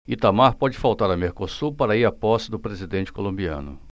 itamar pode faltar a mercosul para ir à posse do presidente colombiano